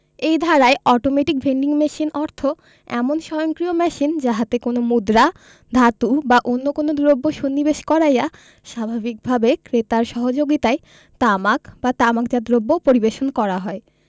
এই ধারায় automatic vending machine অর্থ এমন স্বয়ংক্রিয় মেশিন যাহাতে কোন মুদ্রা ধাতু বা অন্য কোন দ্রব্য সন্নিবেশ করাইয়া স্বাভাবিকভাবে বা ক্রেতার সহযোগিতায় তামাক বা তামাকজাত দ্রব্য পরিবেশন করা হয়